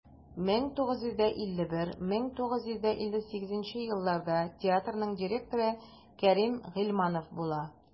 1951-1958 елларда театрның директоры кәрим гыйльманов була.